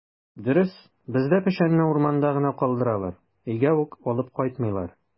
Дөрес, бездә печәнне урманда гына калдыралар, өйгә үк алып кайтмыйлар.